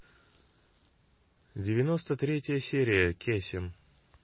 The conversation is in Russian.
девяносто третья серия кесем